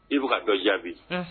I be ka dɔ jaabi unh